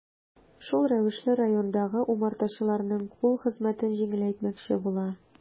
Шул рәвешле районындагы умартачыларның кул хезмәтен җиңеләйтмәкче була.